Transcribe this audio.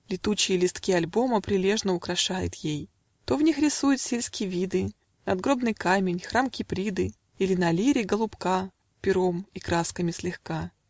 Летучие листки альбома Прилежно украшает ей: То в них рисует сельски виды, Надгробный камень, храм Киприды, Или на лире голубка Пером и красками слегка